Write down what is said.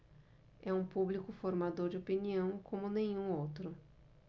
é um público formador de opinião como nenhum outro